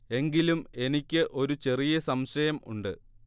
എങ്കിലും എനിക്ക് ഒരു ചെറിയ സംശയം ഉണ്ട്